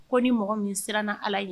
Ko ni mɔgɔ min siranna Ala ɲɛ